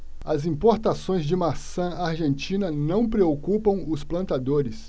as importações de maçã argentina não preocupam os plantadores